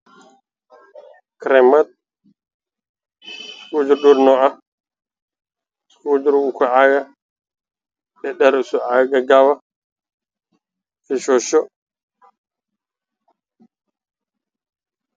Waa kareen ku jiraan caagada